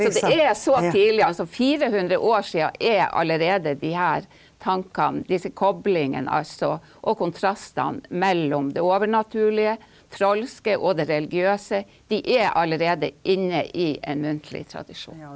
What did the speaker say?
så det er så tidlig, altså 400 år sia er allerede de her tankene disse koblingene altså, og kontrastene mellom det overnaturlige, trolske og det religiøse, de er allerede inne i en muntlig tradisjon.